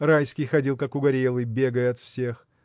Райский ходил как угорелый, бегая от всех